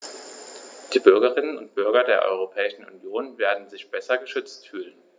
Die Bürgerinnen und Bürger der Europäischen Union werden sich besser geschützt fühlen.